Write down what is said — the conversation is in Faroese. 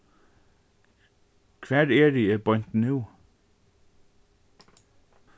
hvar eri eg beint nú